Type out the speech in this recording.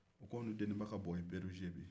u k'an ni deniba ka buwɔ ye nbari bɔ bi